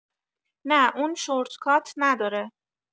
نه اون شورت کات نداره